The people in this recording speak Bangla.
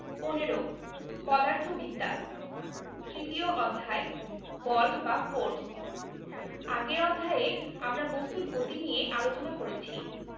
১৫ পদার্থবিদ্যা তৃতীয় অধ্যায় বল বা ফোরস আগের অধ্যায়ে আমরা বস্তুর গতি নিয়ে আলোচনা করেছি